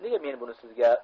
nega men buni sizga